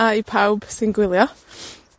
...a i pawb sy'n gwylio.